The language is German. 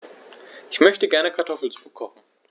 Ich möchte gerne Kartoffelsuppe kochen.